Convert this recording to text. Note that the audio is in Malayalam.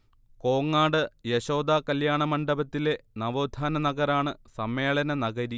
കോങ്ങാട് യശോദ കല്യാണമണ്ഡപത്തിലെ നവോത്ഥാന നഗറാണ് സമ്മേളനനഗരി